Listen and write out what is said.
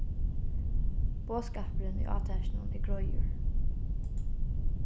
boðskapurin í átakinum er greiður